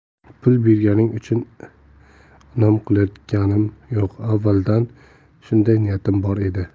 pul berganing uchun inom qilayotganim yo'q avvaldan shunday niyatim bor edi